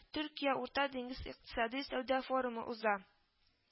Төркия – Урта диңгез икътисади–сәүдә форумы уза